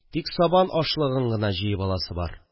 Тик сабан ашлыгын гына җыеп аласы бар